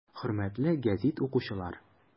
Хөрмәтле гәзит укучылар!